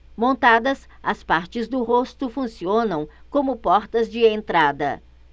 montadas as partes do rosto funcionam como portas de entrada